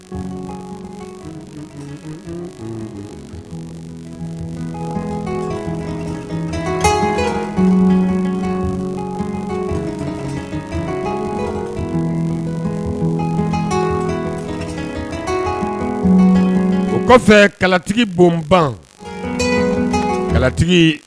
San o kɔfɛkalatigi bon bankalatigi